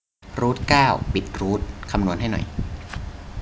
รูทเก้าปิดรูทคำนวณให้หน่อย